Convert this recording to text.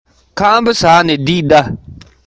དབང མེད ལ ཤུགས ཀྱང མེད པའི